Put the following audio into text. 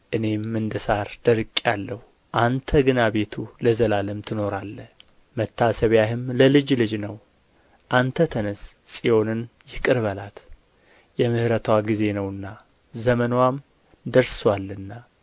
እኔም እንደ ሣር ደርቄአለሁ አንተ ግን አቤቱ ለዘላለም ትኖራለህ መታሰቢያህም ለልጅ ልጅ ነው አንተ ተነሥ ጽዮንንም ይቅር በላት የምሕረትዋ ጊዜ ነውና ዘመንዋም ደርሶአልና